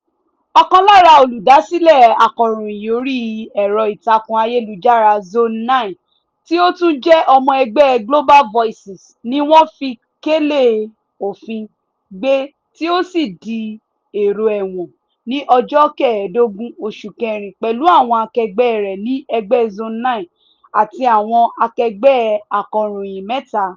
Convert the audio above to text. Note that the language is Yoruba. Ọkàn lára olùdásílẹ̀ akọ̀ròyìn orí ẹ̀rọ ìtàkùn ayélujára Zone9 tí ó tún jẹ́ ọmọ ẹgbẹ́ Global Voices ni wọ́n fi kélé òfin gbé tí ó sì di èrò ẹ̀wọ̀n ní ọjọ́ kẹẹ̀dógún oṣù kẹrin pẹ̀lú àwọn akẹgbẹ́ rẹ̀ nínú ẹgbẹ́ Zone9 àti àwọn akẹgbẹ́ akọ̀ròyìn mẹ́ta.